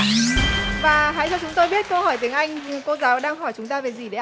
và hãy cho chúng tôi biết câu hỏi tiếng anh cô giáo đang hỏi chúng ta về gì đấy ạ